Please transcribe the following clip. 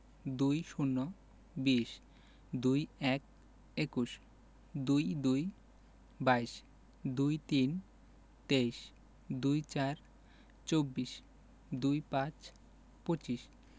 ২০ - বিশ ২১ – একুশ ২২ – বাইশ ২৩ – তেইশ ২৪ – চব্বিশ ২৫ – পঁচিশ